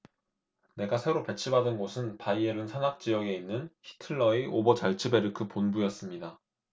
내가 새로 배치받은 곳은 바이에른 산악 지역에 있는 히틀러의 오버잘츠베르크 본부였습니다